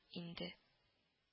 Инде